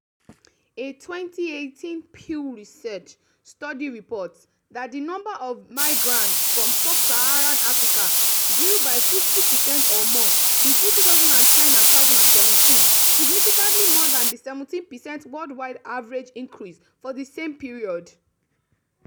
A 2018 Pew Research study reports that the number of migrants from sub-Saharan Africa "grew by 50% or more between 2010 and 2017, significantly more than the 17% worldwide average increase for the same period".